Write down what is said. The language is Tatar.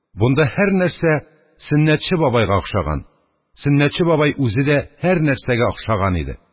Бунда һәрнәрсә Сөннәтче бабайга охшаган, Сөннәтче бабай үзе дә һәрнәрсәгә охшаган иде.